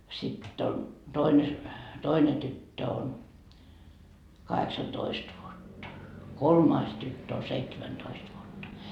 sitten on toinen toinen tyttö on kahdeksantoista vuotta kolmas tyttö on seitsemäntoista vuotta